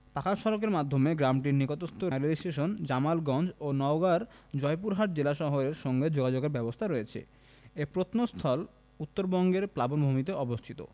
পাকা সড়কের মাধ্যমে গ্রামটির নিকটস্থ রেলস্টেশন জামালগঞ্জ এবং নওগাঁ জয়পুরহাট জেলা শহরের সঙ্গে যোগাযোগের ব্যবস্থা রয়েছে এ প্রত্নস্থল উত্তরবঙ্গের প্লাবনভূমিতে অবস্থিত